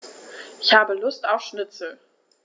Ich habe Lust auf Schnitzel.